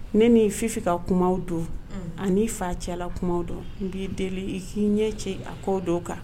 Ne n'i fifin ka kuma don ani n'i fa cɛla kuma don n b'i deli i k'i ɲɛ cɛ a kɔ don kan